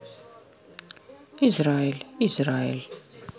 израиль израиль